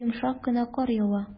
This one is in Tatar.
Йомшак кына кар ява.